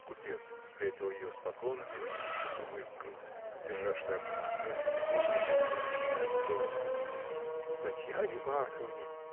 Купец встретил ее с поклонами и с улыбкой, держа шляпу на отлете и голову наклонив немного в сторону. — Татьяне Марковне!.